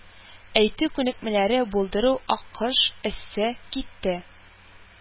Əйтү күнекмəлəре булдыру аккош, эссе, китте